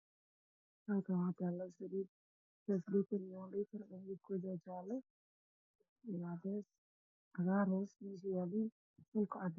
Halkaan waxaa taalo saliid caga saliida waa liitar midabkiisu waa jaale, cadeys, cagaar hoostiisa waa madow dhulkana waa cadaan.